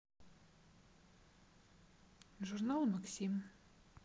журнал максим